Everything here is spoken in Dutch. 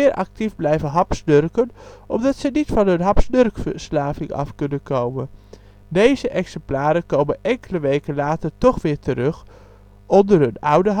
actief blijven hapsnurken omdat ze niet van hun hapsnurkverslaving af kunnen komen. Deze exemplaren komen enkele weken later toch weer terug onder hun oude hapsnurknaam